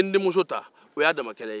i ye n denmuso ta o y'a danmakɛlɛ ye